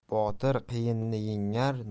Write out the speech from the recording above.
botir qiyinni yengar